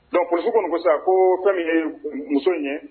Donc, police kɔni ko sisan ko min ye muso in ye